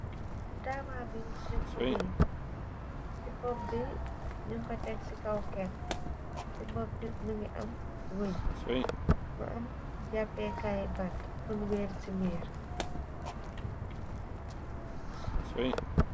daababi ñing ko wér ci bop bi ñën ko teg ci kaw kepp ci bop bi mu ngi am wëñ mu am jàppekaay bant buñ wér ci miir.